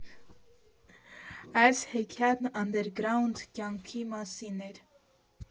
Այս հեքիաթն անդերգրաունդ կյանքի մասին էր։